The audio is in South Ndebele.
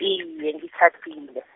iye, ngitjhadile.